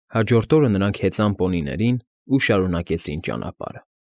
Հաջորդ օրը նրանք հեծան պոնիներն ու շարունակեցին ճանապարհը։